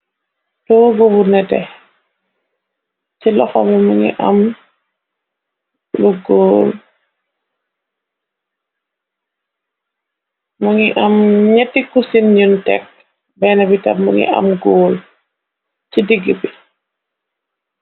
Toogu bu neté, ci loxa bi gl mu ngi am ñetti kussin ñun tekk benn bi tab mu ngi am góol ci digg bi